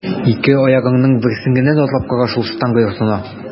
Ике аягыңның берсен генә атлап кара шул штанга йортына!